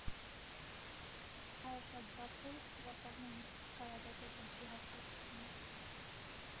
«հայաշատ Բաքու, որտեղ նույնիսկ չկար «ադրբեջանցի» հասկացությունը»։